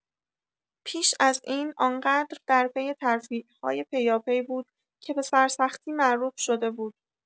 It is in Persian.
پیش از این، آن‌قدر درپی ترفیع‌های پیاپی بود که به سرسختی معروف شده بود.